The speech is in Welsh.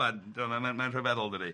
...wel ma'n ma'n ma'n rhyfeddol dydi.